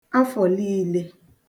afọ̀ liìle